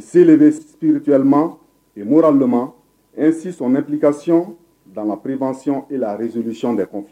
Seule spirituellement et moralement, ainsi son implication dans la prévention et la résolution des conflits